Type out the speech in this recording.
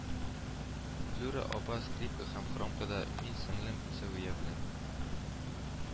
Флүрә апа скрипка һәм хромкада, мин сеңлем Сәвия белән